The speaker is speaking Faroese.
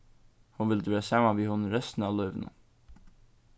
hon vildi vera saman við honum restina av lívinum